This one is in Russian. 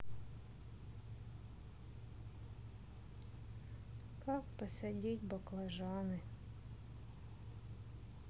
как посадить баклажаны